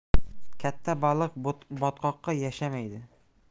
katta baliq botqoqda yashamaydi